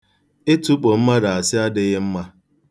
Ịtụkpo mmadụ asị adịghị mma.